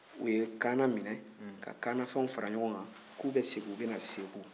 u ye kaana minɛn ka kaana fɛn fara ɲɔgɔn kan k'u bɛ na segu